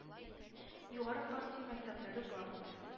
Югары партия мәктәпләре бар иде